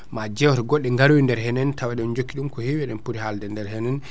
ma jewte goɗɗe garoy e nder henna taw eɗen jokki ɗum ko hewi eɗen poti haalde e nder henenne